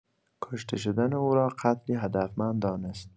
کشته شدن او را قتلی هدفمند دانست.